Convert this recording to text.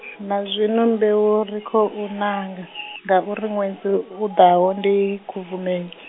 na zwino mbeu ri khou nanga , ngauri ṅwedzi uḓaho ndi, Khubvume-.